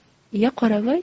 iya qoravoy